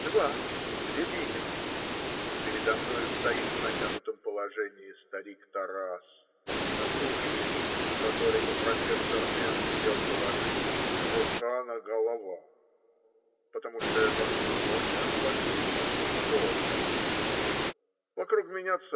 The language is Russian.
Два РЯБИНИН. Передо мною стоит в натянутом положении старик Тарас, натурщик, которому профессор Н. велел положить "рука на галава", потому что это "ошен классишеский поза" вокруг меня